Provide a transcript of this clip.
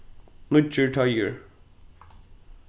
nýggjur teigur